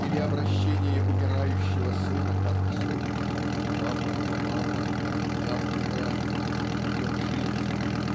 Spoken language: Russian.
или обращение умирающего сына к отцу "Папа, папа, я умираю. удержи меня".